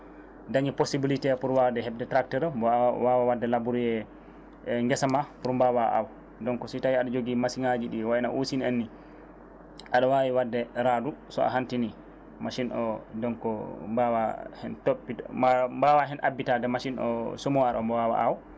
daañi possibilité pour wawde hebde tracteur o wawa wadde labourer e geesa ma pour mbawa aw donc si tawi aɗa jogii machine ŋaji ɗi wayno usini en ni aɗa wawi wadde raadu so a hantini machine o donc mbawa heen toppito mbawa heen abbitade machine o somo ara omo wawa aaw